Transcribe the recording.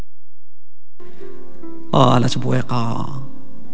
الاسبوع قاع